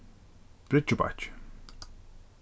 bryggjubakki